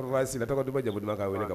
Si tɔgɔ dɔgɔba ja dun k'a weele